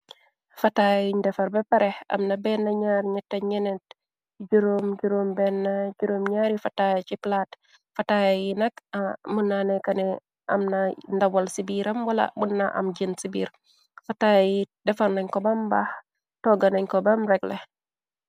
Fataay yiñ defar ba pare, amna benne, ñaar, ñatt, ñentt, juroom, juroom-benne, juroom-ñaari fataay ci palaat, fataay yi nak mën na nekane am na ndawal ci biiram wala mun na am jen ci biir, fataay yi defar nañ ko bam mbaax, togga nañ ko bam regle.